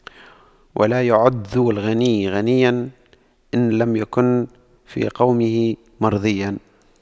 ولا يعد ذو الغنى غنيا إن لم يكن في قومه مرضيا